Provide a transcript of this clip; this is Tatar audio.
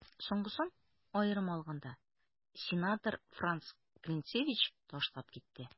Соңгысын, аерым алганда, сенатор Франц Клинцевич ташлап китте.